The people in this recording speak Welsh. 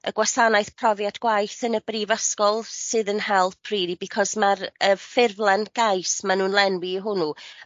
y gwasanaeth profiad gwaith yn y brifysgol sydd yn help rili because ma'r y ffurflen gais ma' nw'n lenwi i hwnnw